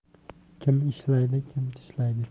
kim ishlaydi kim tishlaydi